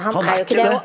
han er ikke det.